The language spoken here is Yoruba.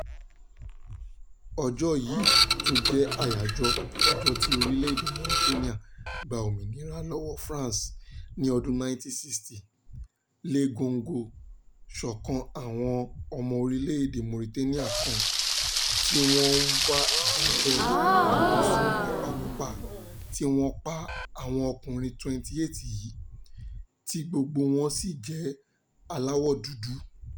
Ọjọ́ yìí, tún jẹ́ àyájọ́ ọjọ́ tí orílẹ̀-èdè Mauritania gba òmìnira lọ́wọ́ France ní ọdún 1960, lé góńgó sọ́kàn àwọn ọmọ orílẹ̀-èdè Mauritania kan tí wọ́n ń wá ìdájọ́ òdodo fún ìpakúpa tí wọ́n pa àwọn ọkùnrin 28 yìí, tí gbogbo wọn sì jẹ́ aláwọ̀ dúdú.